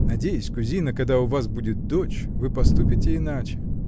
Надеюсь, кузина, когда у вас будет дочь, вы поступите иначе.